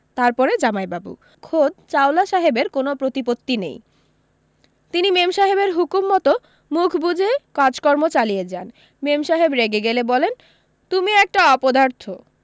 তারপরে জামাইবাবু খোদ চাওলা সাহেবের কোনো প্রতিপত্তি নেই তিনি মেমসাহেবের হুকুম মতো মুখ বুজে কাজকর্ম চালিয়ে যান মেমসাহেব রেগে গেলে বলেন তুমি একটা অপদার্থ